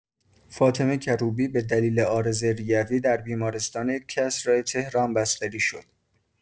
فاطمه کروبی به دلیل عارضه ریوی در بیمارستان کسری تهران بستری شد.